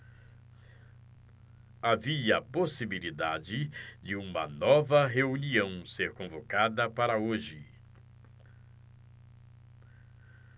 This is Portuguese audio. havia possibilidade de uma nova reunião ser convocada para hoje